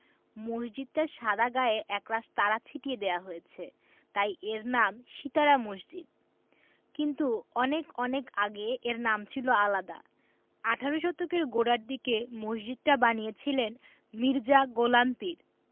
মসজিদটার সারা গায়ে একরাশ তারা ছিটিয়ে দেয়া হয়েছে তাই এর নাম সিতারা মসজিদ কিন্তু অনেক অনেক আগে এর নাম ছিল আলাদা আঠারো শতকের গোড়ার দিকে মসজিদটা বানিয়েছিলেন মির্জা গোলাম পীর